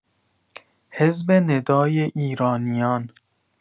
حزب ندای ایرانیان